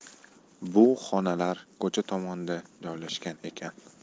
bu xonalar ko'cha tomonda joylashgan ekan